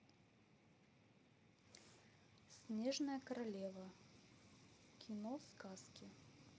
снежная королева кино сказки